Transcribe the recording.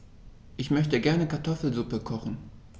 Ich möchte gerne Kartoffelsuppe kochen.